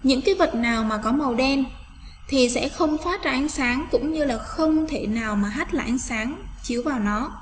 những cái vật nào mà có màu đen thì sẽ không phát ra ánh sáng cũng như là không thể nào mà hát lại ánh sáng chiếu vào nó